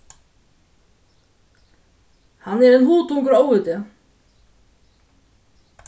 hann er ein hugtungur óviti